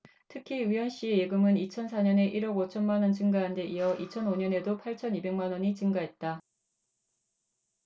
특히 우현씨 예금은 이천 사 년에 일 억 오천 만원 증가한데 이어 이천 오 년에도 팔천 이백 만원이 증가했다